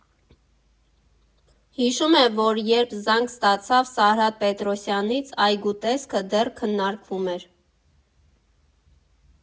Հիշում է, որ երբ զանգ ստացավ Սարհատ Պետրոսյանից, այգու տեսքը դեռ քննարկվում էր։